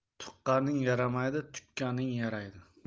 tuqqaning yaramaydi tukkaning yaraydi